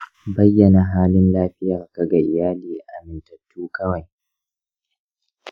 bayyana halin lafiyarka ga iyali amintattu kawai.